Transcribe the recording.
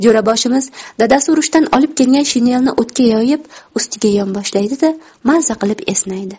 jo'raboshimiz dadasi urushdan olib kelgan shinelni o'tga yoyib ustiga yonboshlaydi da maza qilib esnaydi